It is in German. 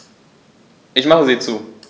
Ich mache sie zu.